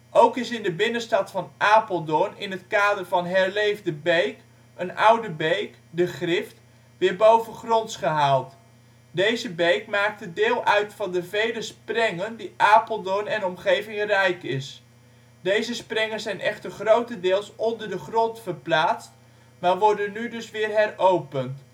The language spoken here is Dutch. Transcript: Ook is in de binnenstad van Apeldoorn in het kader van " herleef de beek " een oude beek, de Grift, weer bovengronds gehaald. Deze beek maakte deel uit van de vele sprengen die Apeldoorn en omgeving rijk is. Deze sprengen zijn echter grotendeels onder de grond verplaatst, maar worden nu dus weer " heropend